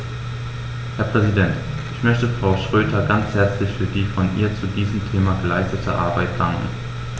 Herr Präsident, ich möchte Frau Schroedter ganz herzlich für die von ihr zu diesem Thema geleistete Arbeit danken.